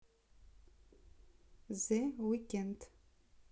зе уикенд